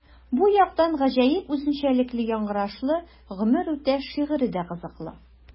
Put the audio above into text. Бу яктан гаҗәеп үзенчәлекле яңгырашлы “Гомер үтә” шигыре дә кызыклы.